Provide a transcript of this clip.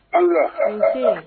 Hɛrɛ i